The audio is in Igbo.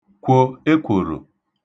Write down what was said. kwò ekwòrò